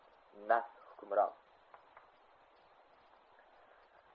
nafs hukmron